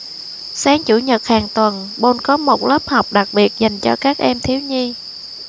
sáng chủ nhật hàng tuần paul có một lớp học đặc biệt dành cho các em thiếu nhi